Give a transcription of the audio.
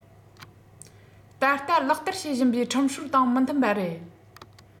ད ལྟ ལག བསྟར བྱེད བཞིན པའི ཁྲིམས སྲོལ དང མི མཐུན པ རེད